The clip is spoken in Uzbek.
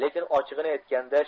lekin ochig'ini aytganda